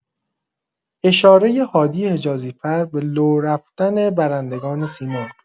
اشاره هادی حجازی فر به لورفتن برندگان سیمرغ